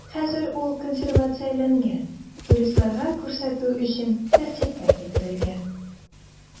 Хәзер ул консервацияләнгән, туристларга күрсәтү өчен тәртипкә китерелгән.